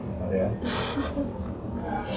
thế à